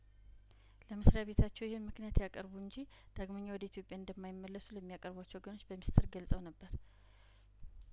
ለመስሪያ ቤታቸው ይህን ምክንያት ያቅርቡ እንጂ ዳግመኛ ወደ ኢትዮጵያ እንደማይመለሱ ለሚያቀርቧቸው ወገኖች በሚስጥር ገልጸው ነበር